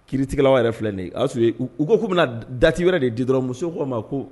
Kiiritilaw yɛrɛ filɛ de y'a sɔrɔ u ko k'u bɛna dati wɛrɛ de di dɔrɔn muso ko ma ko